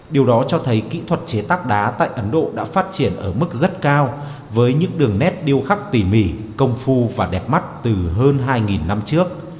điều đó cho thấy kỹ thuật chế tác đá tại ấn độ đã phát triển ở mức rất cao với những đường nét điêu khắc tỷ mỉ công phu và đẹp mắt từ hơn hai nghìn năm trước